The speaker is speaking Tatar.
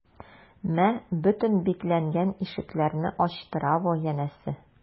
Мә, бөтен бикләнгән ишекләрне ачтыра бу, янәсе...